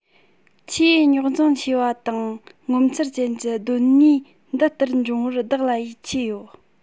ཆེས རྙོག འཛིང ཆེ བ དང ངོ མཚར ཅན གྱི གདོད ནུས འདི ལྟར འབྱུང བར བདག ལ ཡིད ཆེས ཡོད